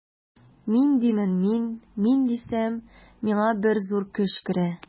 Мин димен мин, мин дисәм, миңа бер зур көч керә.